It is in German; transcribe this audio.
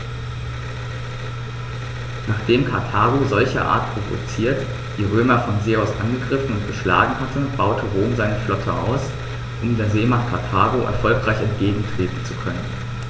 Nachdem Karthago, solcherart provoziert, die Römer von See aus angegriffen und geschlagen hatte, baute Rom seine Flotte aus, um der Seemacht Karthago erfolgreich entgegentreten zu können.